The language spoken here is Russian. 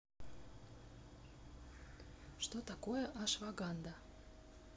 что такое ашваганда